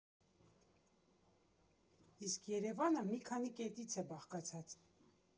Իմ Երևանը մի քանի կետից է բաղկացած։